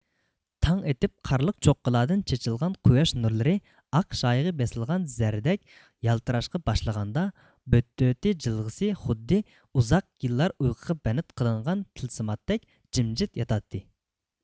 تاڭ ئېتىپ قارلىق چوققىلاردىن چېچىلغان قۇياش نۇرلىرى ئاق شايىغا بېسىلغان زەردەك يالتىراشقا باشلىغاندا بۆتۆتى جىلغىسى خۇددى ئۇزاق يىللار ئۇيقۇغا بەند قىلىنغان تىلسىماتتەك جىمجىت ياتاتتى